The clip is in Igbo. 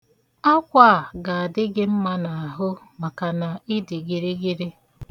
Akwa a ga-adị gị mma n'ahụ maka na ị dị gịrịgịrị.